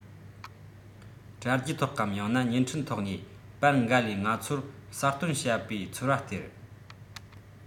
དྲ རྒྱའི ཐོག གམ ཡང ན བརྙན འཕྲིན ཐོག ནས པར འགའ ལས ང ཚོར གསལ སྟོན བྱ པའི ཚོར བ སྟེར